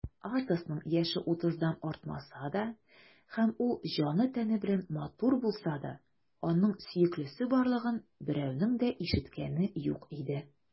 Атосның яше утыздан артмаса да һәм ул җаны-тәне белән матур булса да, аның сөеклесе барлыгын берәүнең дә ишеткәне юк иде.